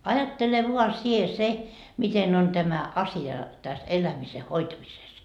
ajattele vain sinä se miten on tämä asia tässä elämisen hoitamisessa